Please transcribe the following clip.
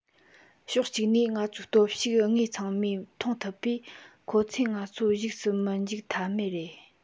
ཕྱོགས གཅིག ནས ང ཚོའི སྟོབས ཤུགས དངོས ཚང མས མཐོང ཐུབ པས ཁོང ཚོས ང ཚོ ཞུགས སུ མི འཇུག ཐབས མེད རེད